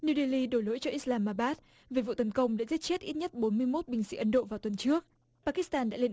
niu đê li đổ lỗi cho ích len ma bát về vụ tấn công giết chết ít nhất bốn mươi mốt binh sĩ ấn độ vào tuần trước ba kít tan đã lên